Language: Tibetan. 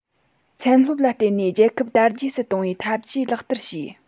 ཚན སློབ ལ བརྟེན ནས རྒྱལ ཁབ དར རྒྱས སུ གཏོང བའི འཐབ ཇུས ལག བསྟར བྱས